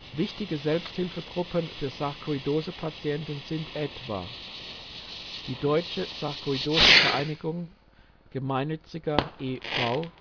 Wichtife Selbsthilfegruppen für Sarkoidosepatienten sind etwa: Deutsche Sarkoidose-Vereinigung gemeinnütziger e.V.